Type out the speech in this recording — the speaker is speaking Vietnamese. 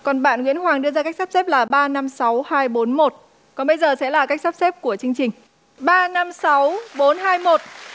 còn bạn nguyễn hoàng đưa ra cách sắp xếp là ba năm sáu hai bốn một còn bây giờ sẽ là cách sắp xếp của chương trình ba năm sáu bốn hai một